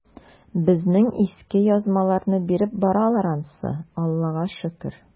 Безнең иске язмаларны биреп баралар ансы, Аллага шөкер.